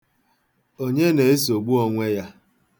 Onye na-esogbu onwe ya?